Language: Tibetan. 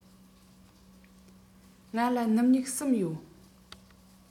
ང ལ སྣུམ སྨྱུག གསུམ ཡོད